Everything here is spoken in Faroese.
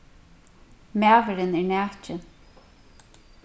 maðurin er nakin